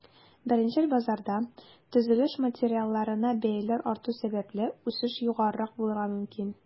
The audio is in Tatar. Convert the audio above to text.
Беренчел базарда, төзелеш материалларына бәяләр арту сәбәпле, үсеш югарырак булырга мөмкин.